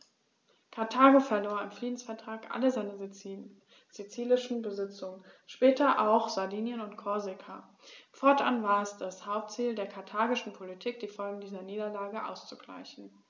Karthago verlor im Friedensvertrag alle seine sizilischen Besitzungen (später auch Sardinien und Korsika); fortan war es das Hauptziel der karthagischen Politik, die Folgen dieser Niederlage auszugleichen.